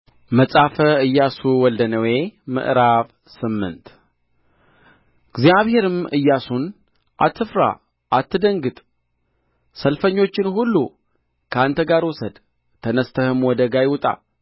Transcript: መጽሐፈ ኢያሱ ወልደ ነዌ ምዕራፍ ስምንት እግዚአብሔርም ኢያሱን አትፍራ አትደንግጥ ሰልፈኞችን ሁሉ ከአንተ ጋር ውሰድ ተነሥተህም ወደ ጋይ ውጣ